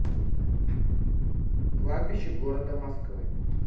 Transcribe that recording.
кладбище города москвы